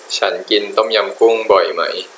ฉันกินต้มยำกุ้งบ่อยไหม